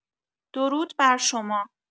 درود برشما